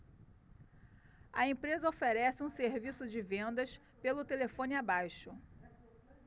a empresa oferece um serviço de vendas pelo telefone abaixo